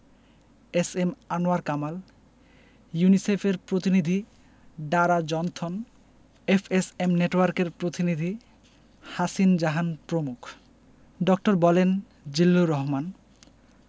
S M Anwar Kamal ইউনিসেফের প্রতিনিধি Dara Johnston FSM নেটওয়ার্কের প্রতিনিধি হাসিন জাহান প্রমুখ ড. বলেন জিল্লুর রহমান